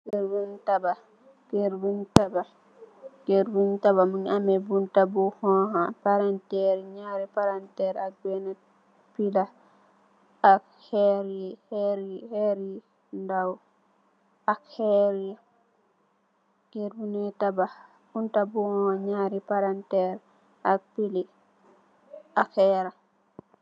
Kèr buñ tabax, mugeh ameh butta bu xonxa, ñaari palanterr ak pilla ak xèr.